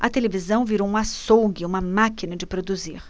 a televisão virou um açougue uma máquina de produzir